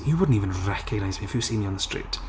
You wouldn't even recognise me if you've seen me on the street.